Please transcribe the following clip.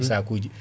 sakuji